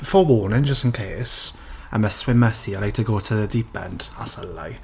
Forewarning just in case. I'm a swimmer, see? I like to go to the deep end. That's a lie.